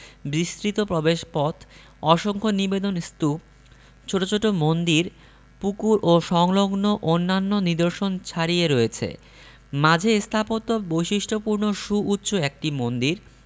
বিস্তৃত প্রবেশপথ অসংখ্য নিবেদন স্তূপ ছোট ছোট মন্দির পুকুর ও সংলগ্ন অন্যান্য নিদর্শন ছাড়িয়ে রয়েছে মাঝে স্থাপত্য বৈশিষ্ট্যপূর্ণ সুউচ্চ একটি মন্দির